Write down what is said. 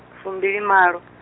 fumbili malo.